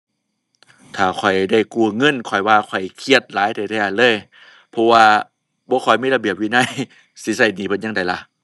ถ้าข้อยได้กู้เงินข้อยว่าข้อยเครียดหลายแท้แท้เลย เพราะว่าบ่ค่อยมีระเบียบวินัย สิใช้หนี้เพิ่นจั่งใดล่ะ